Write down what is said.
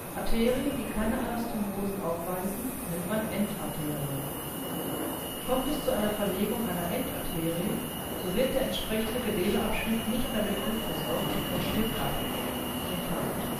Arterien, die keine Anastomosen aufweisen, nennt man Endarterien. Kommt es zu einer Verlegung einer Endarterie, so wird der entsprechende Gewebsabschnitt nicht mehr mit Blut versorgt und stirbt ab (Infarkt